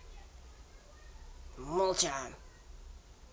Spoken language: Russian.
молча